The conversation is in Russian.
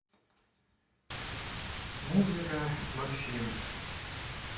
музыка максим